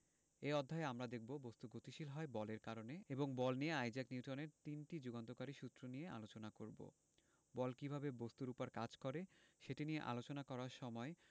এই অধ্যায়ে আমরা দেখব বস্তু গতিশীল হয় বলের কারণে এবং বল নিয়ে আইজাক নিউটনের তিনটি যুগান্তকারী সূত্র নিয়ে আলোচনা করব বল কীভাবে বস্তুর উপর কাজ করে সেটি নিয়ে আলোচনা করার সময়